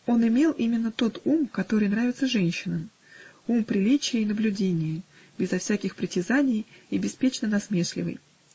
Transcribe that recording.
Он имел именно тот ум, который нравится женщинам: ум приличия и наблюдения, безо всяких притязаний и беспечно насмешливый.